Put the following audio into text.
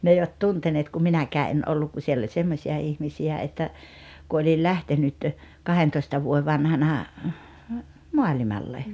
ne eivät tunteneet kun minäkään en ollut kun siellä oli semmoisia ihmisiä että kun olin lähtenyt kahdentoista vuoden vanhana maailmalle